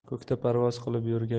ko'kda parvoz qilib yurgan